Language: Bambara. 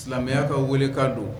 Silamɛya ka wele ka don